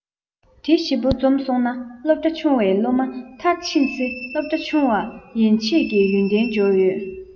དེ བཞི བོ འཛོམས སོང ན སློབ གྲྭ ཆུང བའི སློབ མ མཐར ཕྱིན ཚེ སློབ གྲྭ ཆུང བ ཡན ཆད ཀྱི ཡོན ཏན འབྱོར ཡོད